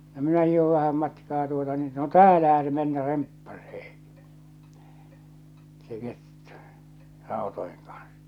no minä hiihdin vähän matkaa tuota niin no täällähän se mennä remppaisee se kettu rautojen kanssa